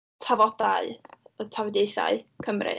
tafodau y tafodieithau Cymru.